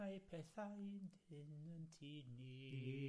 Mae pethau'n dyn yn tŷ ni.